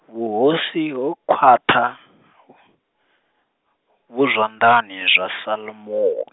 vhuhosi ho khwaṱha, vhu zwanḓani zwa Salomo-.